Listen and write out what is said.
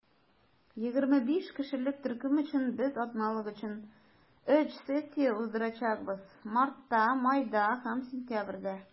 25 кешелек төркем өчен без атналык өч сессия уздырачакбыз - мартта, майда һәм сентябрьдә.